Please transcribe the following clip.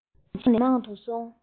ཇེ མང ནས ཇེ མང དུ སོང